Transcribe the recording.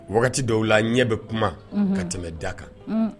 Wagati dɔw la ɲɛ bɛ kuma unhun ka tɛmɛ da kan unn